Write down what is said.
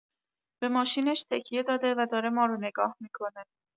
به ماشینش تکیه داده و داره مارو نگاه می‌کنه.